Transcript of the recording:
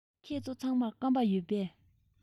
ཁྱེད ཚོ ཚང མར སྐམ པ ཡོད པས